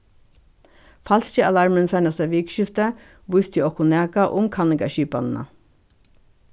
falski alarmurin seinasta vikuskiftið vísti okkum nakað um kanningarskipanina